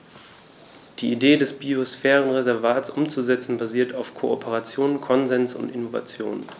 Die Idee des Biosphärenreservates umzusetzen, basiert auf Kooperation, Konsens und Innovation.